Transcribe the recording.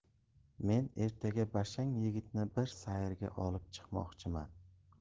men ertaga bashang yigitni bir sayrga olib chiqmoqchiman